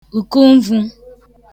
ùkuǹvu